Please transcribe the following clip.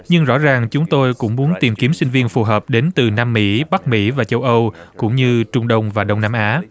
nhưng rõ ràng chúng tôi cũng muốn tìm kiếm sinh viên phù hợp đến từ nam mỹ bắc mỹ và châu âu cũng như trung đông và đông nam á